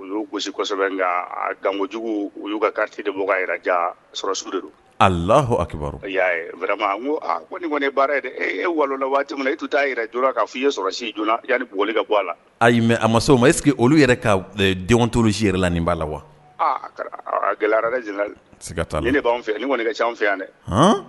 U y' gosisi kosɛbɛ nka gangojugu u y'u ka te de bɔ kaja sɔrɔ su de don a lah a kiba ni kɔni e baara ye e wa waati i to t' a yɛrɛ jɔ k' f fɔ i ye sɔrɔ si jɔ' bli ka bɔ a la ayi mɛ a ma o ma e sigi olu yɛrɛ ka denwto si yɛrɛ la nin b'a la wa gɛlɛyara sigiigaka taa e b'an fɛ ne kɔni ne ka ca anw fɛ yan dɛ